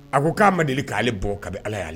A ko'a ma deli k'ale bɔ kabi ala'